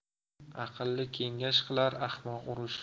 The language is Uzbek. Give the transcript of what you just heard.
aqlli kengash qilar ahmoq urush